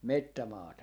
metsämaata